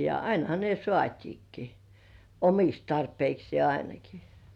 ja ainahan ne saatiinkin omiksi tarpeikseen ainakin